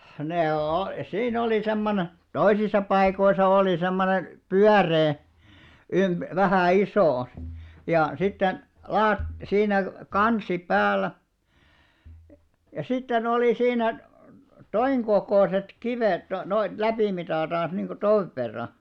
ne - siinä oli semmoinen toisissa paikoissa oli semmoinen pyöreä - vähän iso ja sitten - siinä kansi päällä ja sitten oli siinä tuon kokoiset kivet - noita läpimitaltansa niin kuin tuon verran